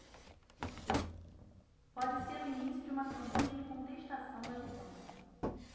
pode ser o início de uma campanha de contestação da vitória